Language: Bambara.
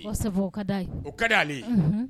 Kosɛbɛ o ka d'a ye, o ka d'ale ye, unhun